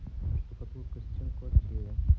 штукатурка стен в квартире